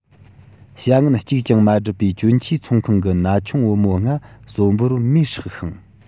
བྱ ངན གཅིག ཀྱང མ སྒྲུབ པའི གྱོན ཆས ཚོང ཁང གི ན ཆུང བུ མོ ལྔ གསོན པོར མེར བསྲེགས ཤིང